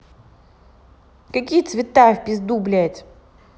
какие цвета в пизду блядь